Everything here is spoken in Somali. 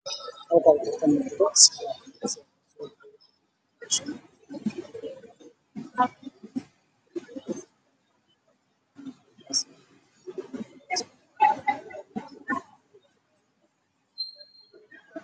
Waa surwaal cadees ah